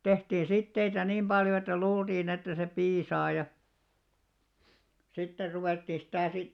tehtiin siteitä niin paljon että luultiin että se piisaa ja sitten ruvettiin sitä sitten